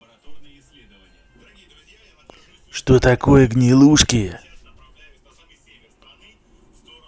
что такое гнилушки